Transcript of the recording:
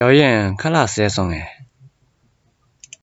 ཞའོ གཡན ཁ ལག བཟས སོང ངས